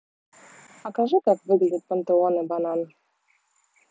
покажи как выглядит пантеоны банан